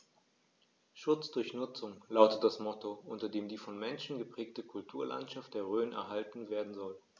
„Schutz durch Nutzung“ lautet das Motto, unter dem die vom Menschen geprägte Kulturlandschaft der Rhön erhalten werden soll.